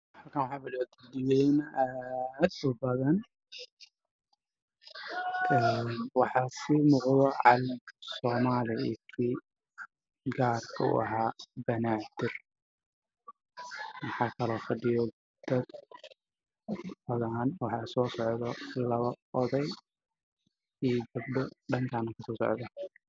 Meeshan waxaa isku imaaday dad farabadan waxa ay u tageen calanka soomaaliya